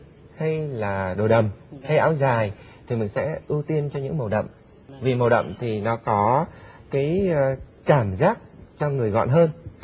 hay là đồ đầm hay áo dài thì mình sẽ ưu tiên cho những màu đậm vì màu đậm thì nó có cái cảm giác cho người gọn hơn